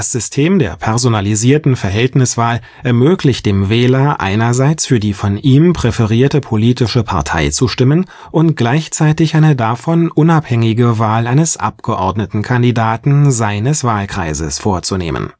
System der personalisierten Verhältniswahl ermöglicht dem Wähler, einerseits für die von ihm präferierte politische Partei zu stimmen, und gleichzeitig eine davon unabhängige Wahl eines Abgeordnetenkandidaten seines Wahlkreises vorzunehmen